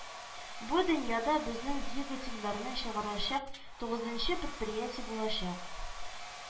Бу дөньяда безнең двигательләрне чыгарачак тугызынчы предприятие булачак